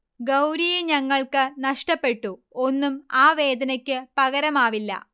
ഗൗരിയെ ഞങ്ങൾക്ക് നഷ്ടപ്പെട്ടു, ഒന്നും ആ വേദനക്ക് പകരമാവില്ല